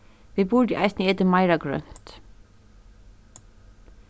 vit burdu eisini etið meira grønt